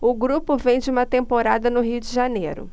o grupo vem de uma temporada no rio de janeiro